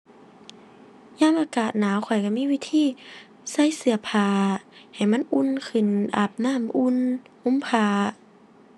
ยามอากาศหนาวข้อยก็มีวิธี ใส่เสื้อผ้าให้มันอุ่นขึ้น อาบน้ำอุ่น ห่มผ้า